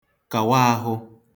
kàwa āhụ̄